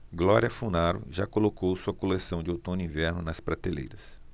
glória funaro já colocou sua coleção de outono-inverno nas prateleiras